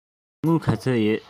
ཁྱེད རང ལ དངུལ ག ཚོད ཡོད